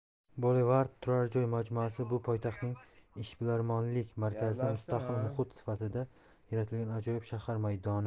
boulevard turar joy majmuasi bu poytaxtning ishbilarmonlik markazida mustaqil muhit sifatida yaratilgan ajoyib shahar maydoni